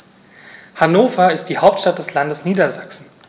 Hannover ist die Hauptstadt des Landes Niedersachsen.